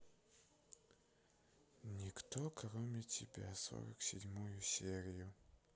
никто кроме тебя сорок седьмую серию